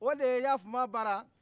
o de ye i y'a faamuya b'a la